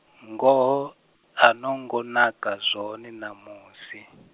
ngoho, anongonaka zwone ṋamusi.